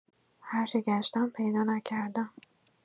هرچه گشتم، پیدا نکردم.